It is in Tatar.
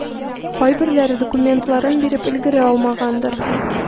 Кайберләре документларын биреп өлгерә алмагандыр.